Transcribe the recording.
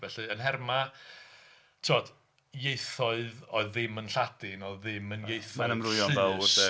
Felly yn nhermau ti'mod, ieithoedd oedd ddim yn Lladin, oedd ddim yn ieithoedd llys.